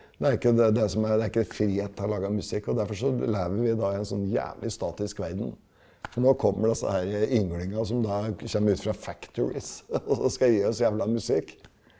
det er ikke det det som er det er ikke frihet til å lage musikk og derfor så lever vi da i en sånn jævlig statisk verden, men nå kommer disse herre ynglingene som da kommer ut fra også skal gi oss jævla musikk.